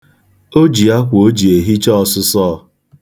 O ji akwa o ji ehicha ọsụsọọ.